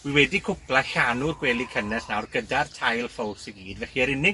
Wi wedi cwpla llanw'r gwely cynnes nawr gyda'r tail ffowls i gyd, felly yr unig